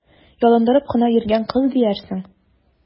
Ялындырып кына йөргән кыз диярсең!